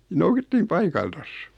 noukittiin paikaltansa